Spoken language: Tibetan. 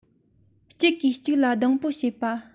གཅིག གིས གཅིག ལ སྡང པོ བྱས པ